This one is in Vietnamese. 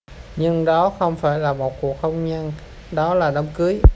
nhưng đó không phải là một cuộc hôn nhân đó là đám cưới